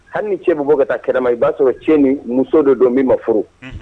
Hali ni cɛ bɛ bɔ ka taa kɛnɛma i b'a sɔrɔ cɛ ni muso dɔ don n' ma furu